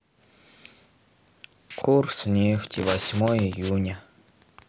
курс нефти восьмое июня